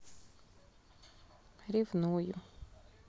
ревную